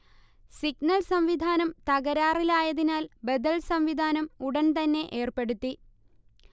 signal സംവിധാനം തകരാറിലായതിനാൽ ബദൽ സംവിധാനം ഉടൻ തന്നെ ഏർപ്പെടുത്തി